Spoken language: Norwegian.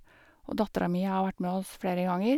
Og dattera mi har vært med oss flere ganger.